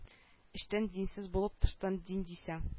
Эчтән динсез булып тыштан дин дисәң